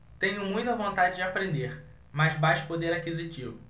tenho muita vontade de aprender mas baixo poder aquisitivo